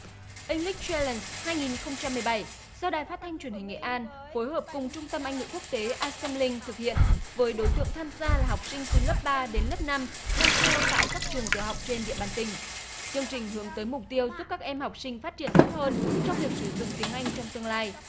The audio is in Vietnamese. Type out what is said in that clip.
inh lích che lừn hai nghìn không trăm mười bảy do đài phát thanh truyền hình nghệ an phối hợp cùng trung tâm anh ngữ quốc tế a xem linh thực hiện với đối tượng tham gia là học sinh từ lớp ba đến lớp năm đang theo tại các trường tiểu học trên địa bàn tỉnh chương trình hướng tới mục tiêu giúp các em học sinh phát triển tốt hơn trong việc sử dụng tiếng anh trong tương lai